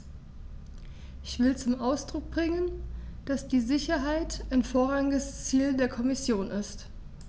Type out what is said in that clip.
Ich will zum Ausdruck bringen, dass die Sicherheit ein vorrangiges Ziel der Kommission ist.